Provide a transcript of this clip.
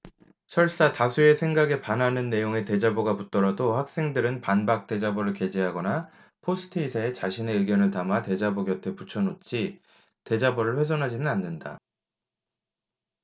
설사 다수의 생각에 반하는 내용의 대자보가 붙더라도 학생들은 반박 대자보를 게재하거나 포스트잇에 자신의 의견을 담아 대자보 곁에 붙여놓지 대자보를 훼손하지는 않는다